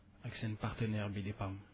ak seen partenaires bi di PAM